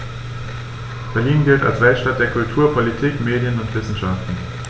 Berlin gilt als Weltstadt der Kultur, Politik, Medien und Wissenschaften.